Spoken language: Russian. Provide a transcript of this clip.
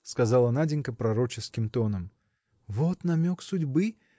– сказала Наденька пророческим тоном, – вот намек судьбы